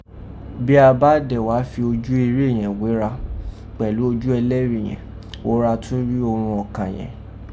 Bi a bá dẹ̀n wá fi ojú ère yẹ̀n wéra, pẹ̀lú ojú ẹlẹ́rin yẹ̀n, wo ra tọ́n ri urun ọ̀kan yẹ̀n.